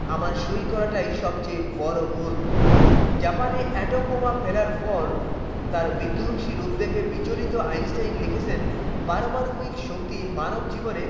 আমার সই করা টাই সবচেয়ে বড় ভুল জাপানে এটম বোমা ফেলার পর তার বিধ্বংসী রূপ দেখে বিচলিত আইনস্টাইন লিখেছেন পারমাণবিক শক্তি মানব জীবনে